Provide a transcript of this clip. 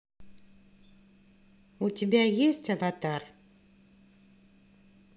у тебя есть аватар